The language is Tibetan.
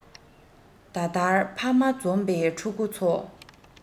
ད ལྟར ཕ མ འཛོམས པའི ཕྲུ གུ ཚོ